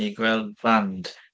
I gweld band.